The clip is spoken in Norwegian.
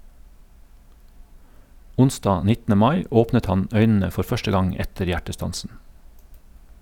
Onsdag 19. mai åpnet han øynene for første gang etter hjertestansen.